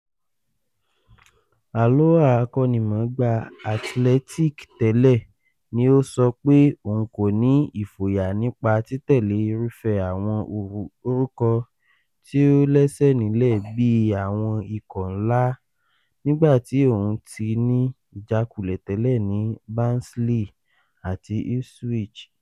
Alloa Akọ́nimọ̀ọ́gbà Athletic tẹlẹ ni ó sọ pé òun kò ní ìfòyà nípa títẹ̀lé irúfẹ́ àwọn orúkọ tí ó lẹ́sẹ̀ nílẹ̀ bíi àwọn ikọ̀ ńlá, nígbà tí òun tí ni ìjákulẹ̀ tẹ́lẹ̀ láti Barnsley àti ipswich.